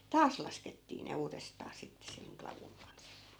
taas laskettiin ne uudestaan sitten sen klavun kanssa